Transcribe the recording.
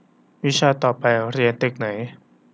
วิชาต่อไปเรียนตึกไหน